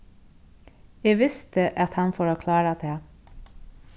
eg visti at hann fór klára tað